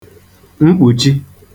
mkpùchi